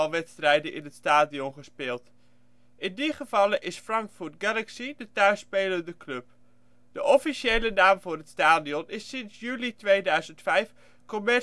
wedstrijden in het stadion gespeeld. In die gevallen is Frankfurt Galaxy de thuisspelende club. De officiële naam voor het stadion is sinds juli 2005 Commerzbank-Arena. Het